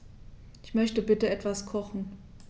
Ich möchte bitte etwas kochen.